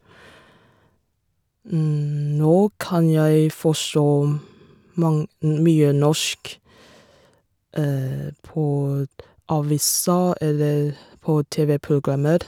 Nå kan jeg forstå mang mye norsk på avisa eller på TV-programmer.